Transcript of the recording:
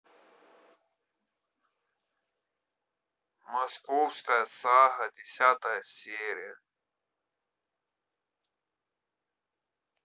московская сага десятая серия